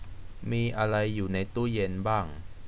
มีอะไรอยู่ในตู้เย็นบ้าง